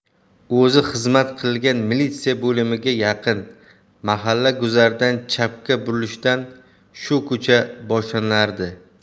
o'zi xizmat qilgan militsiya bo'limiga yaqin mahalla guzaridan chapga burilishdan shu ko'cha boshlanardi